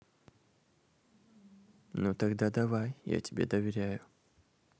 ну тогда давай я тебе доверяю